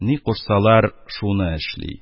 Ни кушсалар шуны эшли.